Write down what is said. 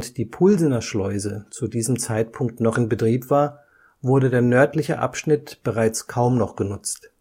die Pulsener Schleuse zu diesem Zeitpunkt noch in Betrieb war, wurde der nördliche Abschnitt bereits kaum noch genutzt